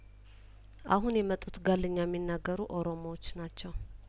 አሁን የመጡት ጋልኛ እሚናገሩ ኦሮሞዎች ናቸው